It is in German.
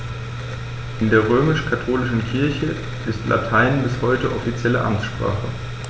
In der römisch-katholischen Kirche ist Latein bis heute offizielle Amtssprache.